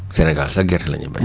Sénégal sax gerte la ñuy béy